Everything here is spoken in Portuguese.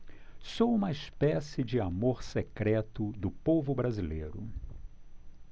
sou uma espécie de amor secreto do povo brasileiro